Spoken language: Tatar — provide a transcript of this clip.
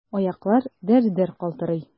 Аяклар дер-дер калтырый.